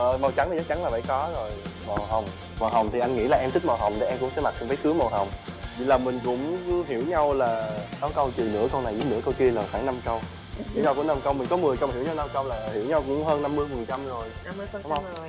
rồi màu trắng thì chắc chắn là phải có rồi màu hồng màu hồng thì anh nghĩ là em thích màu hồng rồi em cũng sẽ mặc váy cưới màu hồng là mình cũng hiểu nhau là tám câu chừng nửa câu này giống nửa câu kia là khoảng năm câu tính ra có năm câu mình có mười câu mà mình hiểu nhau năm câu là hiểu nhau hơn năm mươi phần trăm rồi đúng không